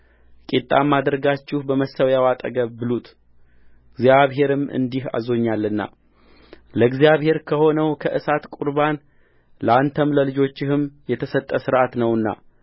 ቂጣም አድርጋችሁ በመሠዊያው አጠገብ ብሉት እግዚአብሔርም እንዲህ አዞኛልለእግዚአብሔር ከሆነው ከእሳት ቁርባን ለአንተም ለልጆችህም የተሰጠ ሥርዓት ነውና